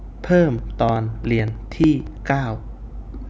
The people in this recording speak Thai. เพิ่มตอนเรียนที่เก้า